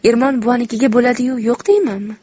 ermon buvanikiga bo'ladi yu yo'q deymanmi